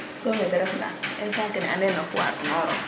so mete ref na instant kene anda ye foire unoro